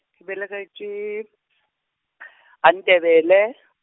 ke belegetšwe , gaNdebele.